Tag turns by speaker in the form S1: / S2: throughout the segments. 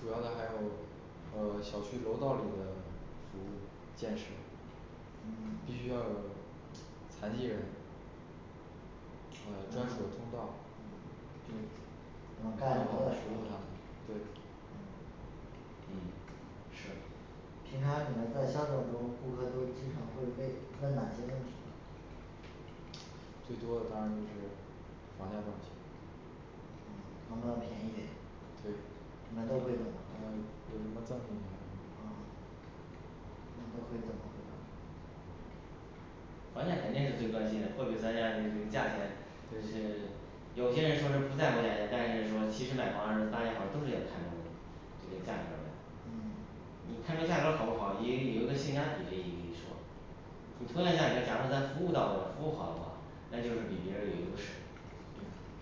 S1: 主要的还有呃小区楼道里的服务建设，必
S2: 嗯
S1: 须要有残疾人呃专有的通道
S2: 嗯，对咱们盖楼的时候儿
S1: 对
S2: 嗯
S3: 嗯是
S2: 平常你们在销售中顾客都经常会被问哪些问题呢？
S1: 最多的当然是房价多少钱？
S2: 嗯，能不能便宜点
S1: 对
S2: 你们都会怎么
S1: 有什么
S2: 回
S1: 赠
S2: 答
S1: 礼没嗯
S2: 你们都会怎么回答呢
S3: 房价儿肯定是最关心嘞，货比三家儿这个这个价钱是有些人说是不在乎价钱，但是说其实买房的时候儿大家伙儿都得看中，这个价格儿嘞
S2: 嗯
S3: 你开这个价格好不好，也有一个性价比这一说，你同样价格儿，假如说他服务到位服务好的话，那就是比别人有优势
S1: 对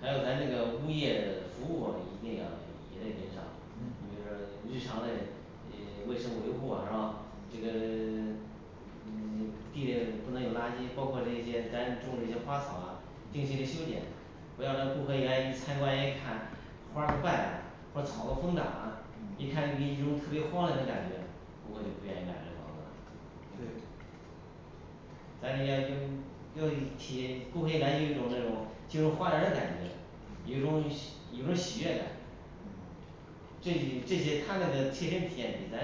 S3: 还有咱这个物业服务啊一定要也得跟上
S1: 嗯
S3: 比如说日常嘞一些卫生维护啊是吧？这个 嗯 地面不能有垃圾，包括这些咱种这些花草啊定期嘞修剪，不要让顾客一来一参观一看花儿都败了或者草都疯长了，一看你一种特别荒凉的感觉，顾客就不愿意买这房子了。
S1: 对
S3: 咱们要用用于体验顾客一来就有那种进入花园儿的感觉，一种一份喜悦感
S2: 嗯
S3: 这这些他们的切身体验比咱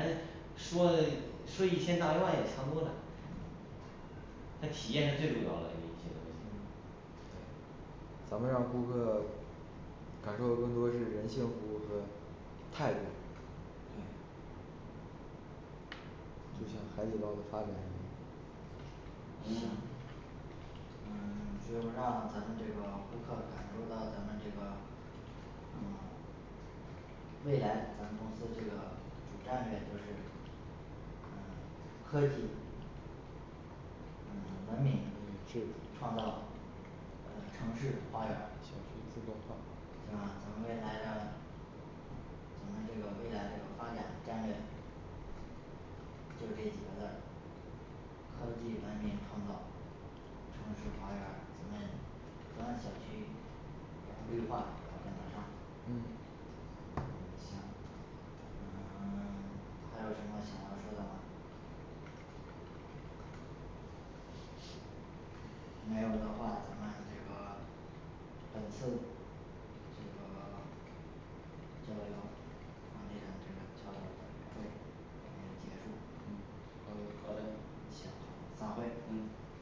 S3: 说说一千道一万要强多
S2: 嗯
S3: 了，他体验是最主要嘞一些东西
S2: 嗯，对
S1: 咱们让顾客感受的更多是人性服务和态度。就像海底捞儿的发展一样
S3: 嗯
S2: 行嗯 就是让咱们这个顾客感受到咱们这个嗯未来咱们公司这个主战略就是嗯科技嗯文明去创造呃城市花园
S1: 小
S2: 儿
S1: 区自动化，
S2: 是吧？咱未来的咱们这个未来这个发展战略就这几个字儿科技文明创造城市花园儿咱们咱们小区要绿化也要跟得上
S1: 嗯
S2: 嗯行嗯 还有什么想要说的吗？没有的话咱们这个本次这个交流房地产这个交流会咱们就结束
S1: 嗯好
S3: 好
S1: 的
S3: 的
S2: 行好的散会
S3: 嗯